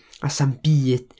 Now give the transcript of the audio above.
A 'sna'm byd.